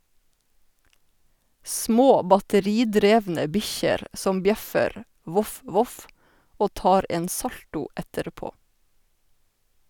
Små batteridrevne bikkjer som bjeffer, voff voff, og tar en salto etterpå.